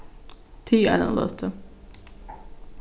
tig eina løtu